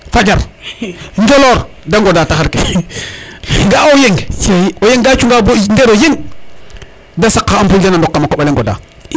fajar njolor de ŋoda taxar ke ga o yeng o yeng ga cunga bo ndero yeng de saq xa empoule den a ndok kama koɓale ŋoda